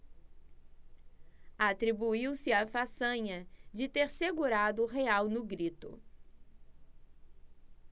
atribuiu-se a façanha de ter segurado o real no grito